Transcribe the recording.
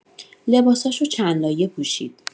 لباساشو چند لایه پوشید.